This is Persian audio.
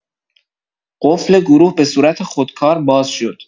قفل گروه به صورت خودکار باز شد.